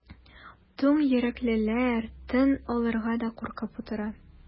Туң йөрәклеләр тын алырга да куркып утыра.